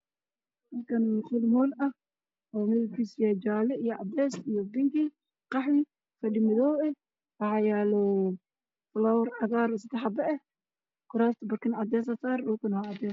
Meeshaan waa meel qol ah oo dhalo ah waxaan ku dhex jiro laba barkimood waxay ra-iisul wasaaraha fadhi waxaana gaaro baa lacagaha